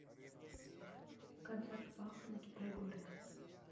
концерт баха на китай городе